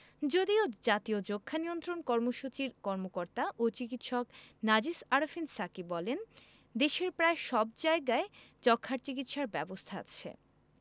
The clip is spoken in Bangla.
যদিও জাতীয় যক্ষ্মা নিয়ন্ত্রণ কর্মসূচির কর্মকর্তা ও চিকিৎসক নাজিস আরেফিন সাকী বলেন দেশের প্রায় সব জায়গায় যক্ষ্মার চিকিৎসা ব্যবস্থা আছে